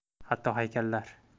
hatto haykallar